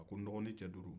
a ko n dɔgɔni cɛ duuru